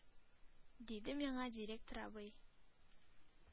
– диде миңа директор абый.